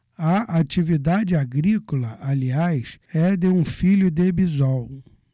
a atividade agrícola aliás é de um filho de bisol